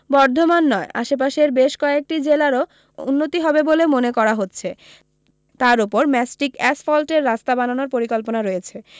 র্ধমান নয় আশপাশের বেশ কয়েকটি জেলারও উন্নতি হবে বলে মনে করা হচ্ছে তার ওপর ম্যাস্টিক অ্যাসফল্টের রাস্তা বানানোর পরিকল্পনা রয়েছে